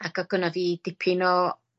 Ag o' gynno ddi dipyn o